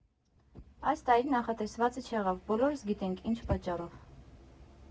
Այս տարի նախատեսվածը չեղավ, բոլորս գիտենք՝ ինչ պատճառով։